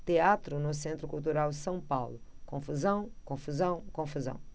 teatro no centro cultural são paulo confusão confusão confusão